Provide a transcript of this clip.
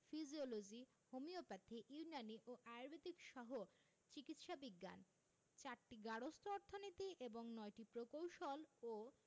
physiology homeopathy Unani ও আর্য়ুবেদিকসহ চিকিৎসা বিজ্ঞান ৪টি গার্হস্থ্য অর্থনীতি এবং ৯টি প্রকৌশল ও